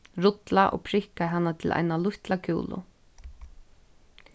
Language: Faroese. rulla og prikka hana til eina lítla kúlu